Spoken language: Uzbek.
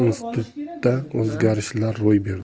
institutda o'zgarishlar ro'y berdi